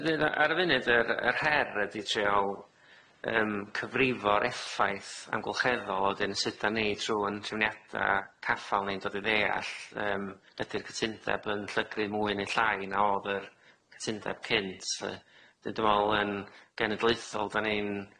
Ie swn i'n deud yy ar y funud yr yr her ydi trio yym cyfrifo'r effaith amgylcheddol a wedyn sudan ni trw' yn triwniada caffal ni'n dod i ddeall yym ydi'r cytundeb yn llyglu mwy neu llai na odd yr cytundeb cynt yy dwi me'wl yn genedlaethol dan ni'n